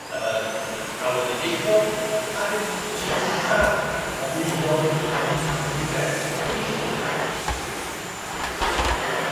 yn alwedigaethol, a hefyd wrth gwrs y mwynhad, o lwyddo a mwynhau y grefft o gyfieithu.